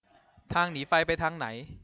ทางหนีไฟไปทางไหน